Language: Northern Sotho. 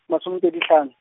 masome pedi hlano.